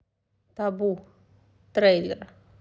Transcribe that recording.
табу трейлер